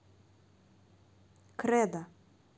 кредо